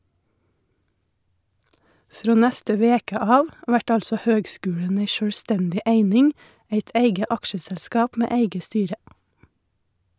Frå neste veke av vert altså høgskulen ei sjølvstendig eining, eit eige aksjeselskap med eige styre.